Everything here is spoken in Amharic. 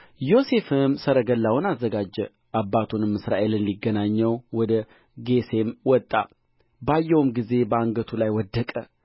ቤኬር አስቤል የቤላ ልጆችም ጌራ ናዕማን አኪ ሮስ